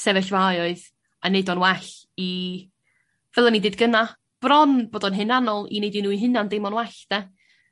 sefyllfaoedd a neud o'n well i fel o'n i deud gynna' bron bod o'n hunanol i neud i nw 'i hunan deimlo'n well 'de?